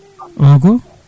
o ko